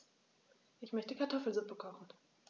Ich möchte Kartoffelsuppe kochen.